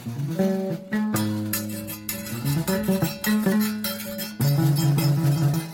Maa yo